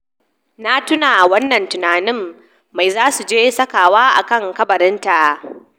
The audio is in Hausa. Na tuna wannan tunanin, mai zasu je sakawa akan kabarina?